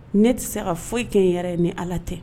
Ne tɛ se ka foyi kɛ n yɛrɛ ye ni ala tɛ